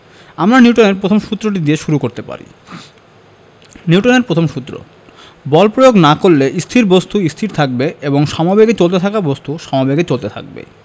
আমরা নিউটনের প্রথম সূত্রটি দিয়ে শুরু করতে পারি নিউটনের প্রথম সূত্র বল প্রয়োগ না করলে স্থির বস্তু স্থির থাকবে এবং সমেবেগে চলতে থাকা বস্তু সমেবেগে চলতে থাকবে